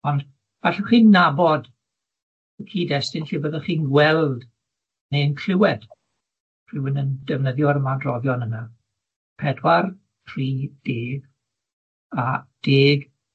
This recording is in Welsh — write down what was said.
ond allwch chi nabod y cyd-destun lle fyddwch chi'n weld neu'n clwed rhywun yn defnyddio'r ymadroddion yna, pedwar, tri, dydd, a deg.